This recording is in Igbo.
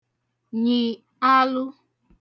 nyị̀ alụ